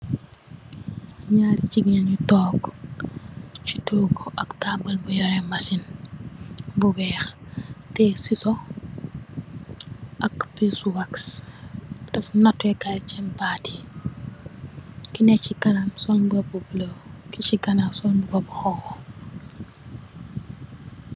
Njari gigen you took ci togu am tabal bu ame masin bu wex ame sisos ak pise waxs ak natekai ci BAAT bi ki neke ci kaname sol mbuba bu bula ku neka ci ganaw sol mbuba bu xonxu